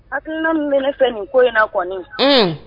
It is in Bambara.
A tɛna bɛ ne fɛ nin ko in na kɔni